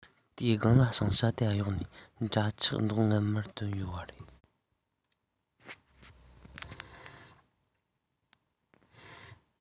དེའི སྒང ལ ཕྱིང ཞྭ དེ གཡོག ནས འདྲ ཆགས མདོག ངང མར དོན ཡོང བ རེད